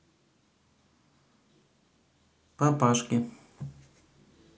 папашки